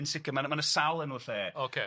Yn sicr ma' na ma' na sawl enw lle